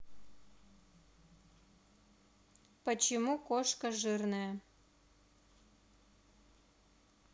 почему кошка жирная